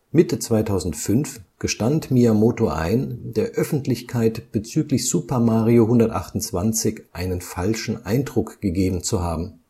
Mitte 2005 gestand Miyamoto ein, der Öffentlichkeit bezüglich Super Mario 128 einen falschen Eindruck gegeben zu haben